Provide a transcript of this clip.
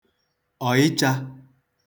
ọ̀ịchā